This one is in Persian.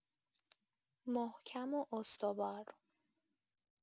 محکم و استوار!